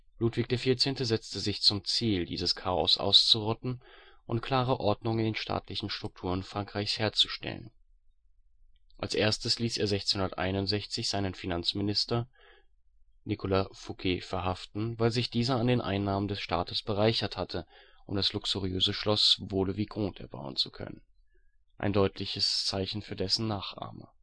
Ludwig XIV. setzte sich zum Ziel, dieses Chaos auszurotten und klare Ordnung in den staatlichen Strukturen Frankreichs herzustellen. Als erstes ließ er 1661 seinen Finanzminister (Oberintendanten der Finanzen) Nicolas Fouquet verhaften, weil sich dieser an den Einnahmen des Staates bereichert hatte, um das luxuriöse Schloss Vaux-le-Vicomte erbauen zu können. Ein deutliches Zeichen für dessen Nachahmer